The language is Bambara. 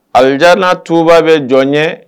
Ajanna tuba bɛ jɔn ye